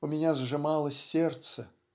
у меня сжималось сердце".